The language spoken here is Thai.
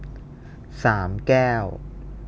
สามแก้ว